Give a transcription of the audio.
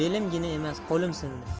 belimgina emas qo'lim sindi